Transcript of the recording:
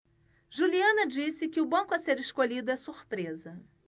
juliana disse que o banco a ser escolhido é surpresa